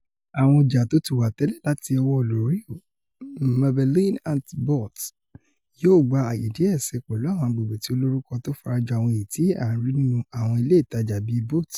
Àwọn ọjà tótiwà tẹ́lẹ̀ láti ọwọ́ L'Oreal, Maybelline àti Burt's Bees yóò gba àayè díẹ̀ síi pẹ̀lú àwọn agbègbè̀ tí o lórúkọ tó farajọ àwọn èyití a ń rí nínú àwọn ilé ìtajà bíi Boots.